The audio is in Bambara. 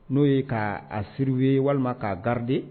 N'o ye k' a siriw ye walima k'a garidi